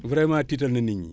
vraiment tiital na nit ñi